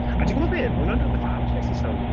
A ti'n gwybod be, mae hwnna'n rhywbeth arall wnes i sylwi.